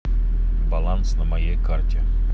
баланс по моей карте